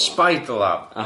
Spider lamb